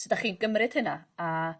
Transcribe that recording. sud dach chi'n gymryd hynna a...